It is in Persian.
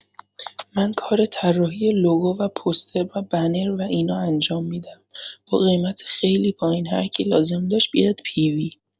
من کار طراحی لوگو و پوستر و بنر و اینا انجام می‌دم با قیمت خیلی پایین هرکی لازم داشت بیاد پی وی